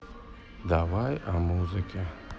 давай о музыке